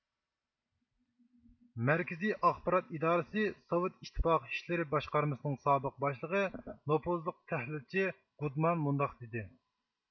مەركىزى ئاخبارات ئىدارىسى سوۋېت ئىتتىپاقى ئىشلىرى باشقارمىسىنىڭ سابىق باشلىقى نوپۇزلۇق تەھلىلچى گۇدمان مۇنداق دېدى